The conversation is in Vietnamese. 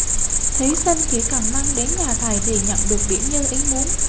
thí sinh chỉ cần năng đến nhà thầy thì nhận được điểm như ý muốn